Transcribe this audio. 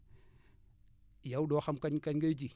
yow doo xam kañ kañ ngay ji